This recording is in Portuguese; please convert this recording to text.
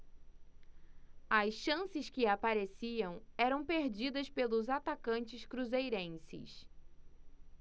as chances que apareciam eram perdidas pelos atacantes cruzeirenses